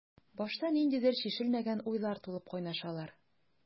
Башта ниндидер чишелмәгән уйлар тулып кайнашалар.